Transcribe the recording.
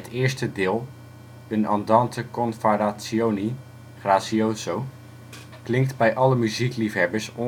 eerste deel, een Andante con Varazioni (grazioso), klinkt bij alle muziekliefhebbers